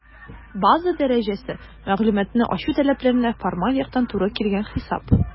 «база дәрәҗәсе» - мәгълүматны ачу таләпләренә формаль яктан туры килгән хисап.